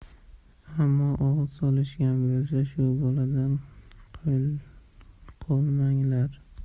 ammo og'iz solishgan bo'lsa shu boladan qolmanglar